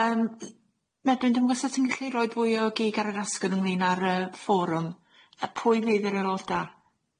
Yym Medwyn dwi'm yn gwbo os sa ti'n gallu roid fwy o gig ar yr asgwrn ynglyn â'r yy fforwm y- pwy fydd yr aeloda?